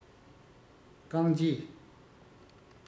རྐང རྗེས